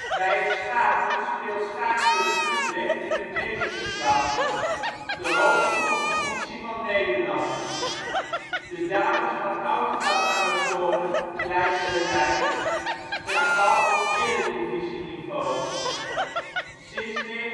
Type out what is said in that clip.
Bij het schaken speelt Schaakclub Utrecht in de Meesterklasse, de hoogste competitie van Nederland. De dames van Autocad Amazone Leidsche Rijn spelen basketbal op Eredivisie niveau. Sinds 1978